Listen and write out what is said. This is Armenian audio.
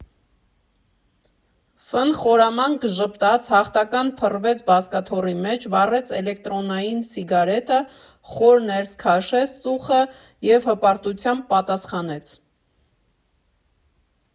Ֆ֊ն խորամանկ ժպտաց, հաղթական փռվեց բազկաթոռի մեջ, վառեց էլեկտրոնային սիգարետը, խոր ներս քաշեց ծուխը և հպարտությամբ պատասխանեց՝